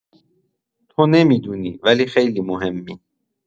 تو نمی‌دونی، ولی خیلی مهمی.